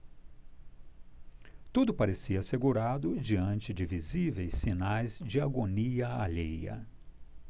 tudo parecia assegurado diante de visíveis sinais de agonia alheia